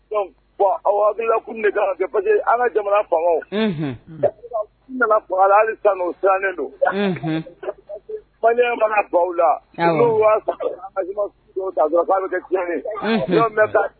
Bɔn awla kun de an ka jamana fa nana hali san o sirannen don fa mana baw la an kɛ bɛ